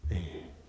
niin